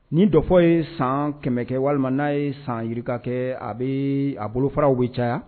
Nin dɔfɔ ye san kɛmɛ kɛ walima n'a ye san yirika kɛ a bɛ a bolofaraw bɛ caya